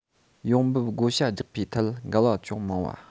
ཡོང འབབ བགོ བཤའ རྒྱག པའི ཐད འགལ བ ཅུང མང བ